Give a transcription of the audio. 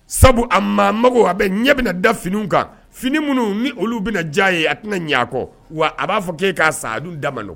Sabu a maa mago a bɛ ɲɛ bɛna da fini kan fini minnu ni olu bɛna na diya ye a tɛna ɲɛkɔ wa a b'a fɔ k' k'a sa a da malo